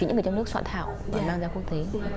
những người trong nước soạn thảo và mang ra quốc tế